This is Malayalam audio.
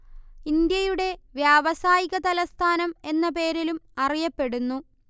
ഇന്ത്യയുടെ വ്യാവസായിക തലസ്ഥാനം എന്ന പേരിലും അറിയപ്പെടുന്നു